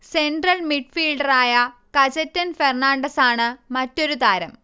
central മിഡ്ഫീൽഡറായ Cajetan ഫെർണാണ്ടസാണ് മറ്റൊരു താരം